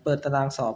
เปิดตารางสอบ